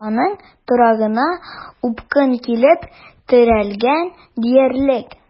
Аның торагына упкын килеп терәлгән диярлек.